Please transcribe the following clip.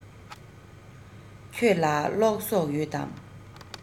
ཁྱོད ལ གློག བསོགས ཡོད དམ